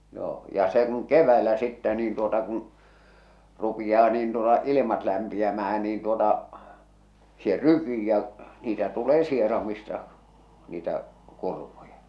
joo ja se kun keväällä sitten niin tuota kun rupeaa niin tuota ilmat lämpiämään niin tuota se rykii ja niitä tulee sieraimista niitä kurmuja